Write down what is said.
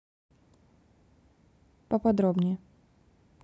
поподробнее